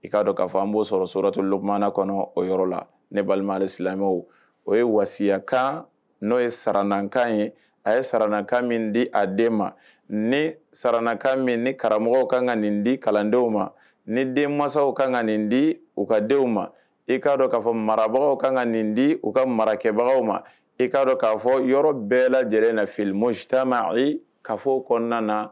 I k'a k'a fɔ an b'o sɔrɔtuluumana kɔnɔ o yɔrɔ la ne balima silamɛw o ye waya kan n'o ye saraankan ye a ye sarakan min di a den ma ni sarakan min ni karamɔgɔ kan ka nin di kalandenw ma ni den mansaw kan ka nin di u ka denw ma i k'a dɔn k'a fɔ marabagaw kan ka nin di u ka marakɛbagaw ma i k'a dɔn k'a fɔ yɔrɔ bɛɛ lajɛlen na filita ayi ka fɔ kɔnɔna na